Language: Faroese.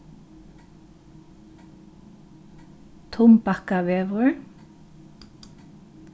tumbakkavegur